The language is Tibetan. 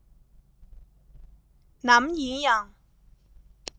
ནམ ཡིན ཡང